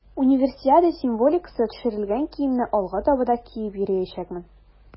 Универсиада символикасы төшерелгән киемне алга таба да киеп йөриячәкмен.